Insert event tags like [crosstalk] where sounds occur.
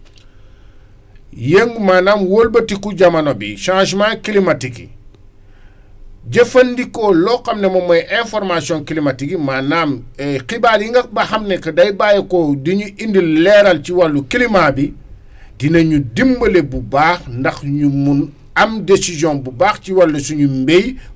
[breath] yéemu maanaam wëlbatiku jamono bi changement climatique yi [breath] jëfandikoo loo xam ne moom mooy information climatique yi maanaam [hesitation] xibaar yi nga ba xam ne que day bàyyeekoo di ñu indil leeral ci wàllu climat bi dinañ dimbali bu baax ndax ñu mun am décision bu baax ci wàllu suñu mbéy